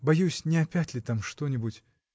Боюсь, не опять ли там что-нибудь!.